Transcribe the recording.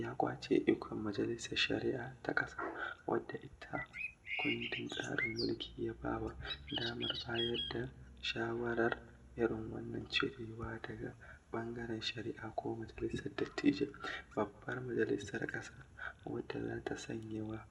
Ya ƙwace ikon Majalisar Shari'a ta ƙasa wadda ita kundin tsarin mulki ya ba wa damar bayar da shawarar irin wannan cirewar daga ɓangaren shari'a ko majalisar dattijai (babbar majalisar ƙasa) wadda za ta sanya wa